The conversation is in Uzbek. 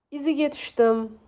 iziga tushdim